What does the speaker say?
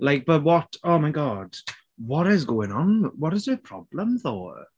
Like but what oh my god what is going on, what is her problem though?